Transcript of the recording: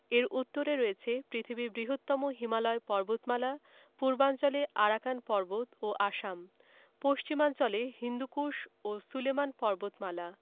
এর উত্তরে রয়েছে পৃথিবীর বৃহত্তম হিমালয় পর্বতমালা পূর্বাঞ্চলে আরাকান পর্বত ও আসাম পশ্চিমাঞ্চলে হিন্দুকুশ ও সুলেমান পর্বতমালা